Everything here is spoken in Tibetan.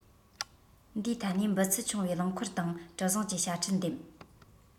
འདིའི ཐད ནས འབུད ཚད ཆུང བའི རླངས འཁོར དང གྲུ གཟིངས ཀྱི དཔྱ ཁྲལ འདེམས